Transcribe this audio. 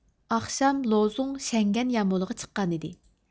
ئاخشام لوزۇڭ شەڭگەن يامۇلغا چىققانىدى